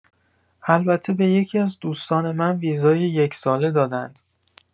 البته به یکی‌از دوستان من ویزای یک‌ساله دادند.